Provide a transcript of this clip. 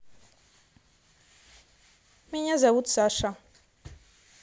меня зовут саша